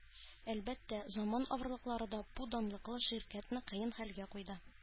Әлбәттә, заман авырлыклары да бу данлыклы ширкәтне кыен хәлгә куйды.